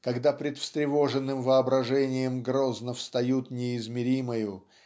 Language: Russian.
когда пред встревоженным воображением грозно встают неизмеримою